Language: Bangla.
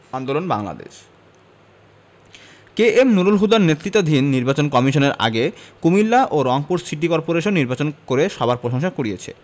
আন্দোলন বাংলাদেশ কে এম নুরুল হুদার নেতৃত্বাধীন নির্বাচন কমিশন এর আগে কুমিল্লা ও রংপুর সিটি করপোরেশন নির্বাচন করে সবার প্রশংসা কুড়িয়েছে